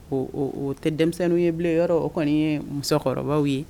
O tɛ denmisɛnninw ye bila yɔrɔ o kɔni ye musokɔrɔbaw ye